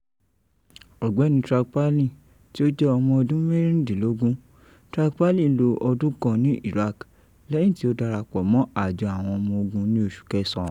Ògbẹ́ni Track Palin tí ó jẹ́ ọmọ ọdún mẹ́rìndínlógún Track Palin lo ọdún kan ní Iraq lẹ́yìn tí ó darapọ̀ mọ́ àjọ àwọn ọmọ ogun ní oṣù kẹsàán.